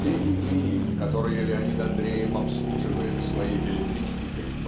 Те идеи которые Леонид Андреев обслуживает своей беллетристикой